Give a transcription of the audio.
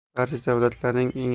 barcha davrlarning eng